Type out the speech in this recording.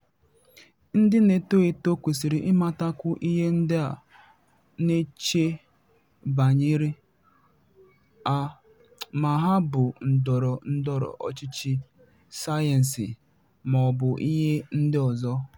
Ndị na-eto eto kwesịrị ịmatakwu ihe ndị ha na-eche banyere ha—ma hà bụ ndọrọ ndọrọ ọchịchị, sayensị, ma ọ bụ ihe ndị ọzọ.